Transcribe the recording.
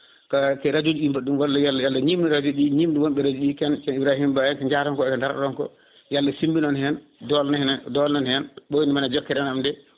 kala ko radio ji mbaɗi ɗum yo Allah ñimnu radio ji ñimna wonɓe radio ji kamɓe ceerno Ibrahima Ba eko jatonko eko darto ɗon ko yo Allah simbinan on hen dolna on hen ɓoynamon e jokkere enɗam nde